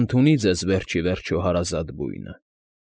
Ընդունի ձեզ վերջ ի վերջո հարազատ բույնը։